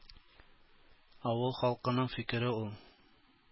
Авыл халкының фикере ул.